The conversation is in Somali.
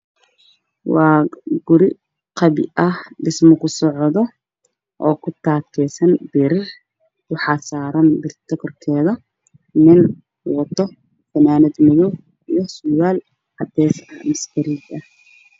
Waa guri dabaq ah oo qabya ah